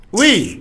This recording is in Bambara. O ye